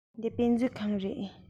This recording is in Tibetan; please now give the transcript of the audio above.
འདི དཔེ མཛོད ཁང རེད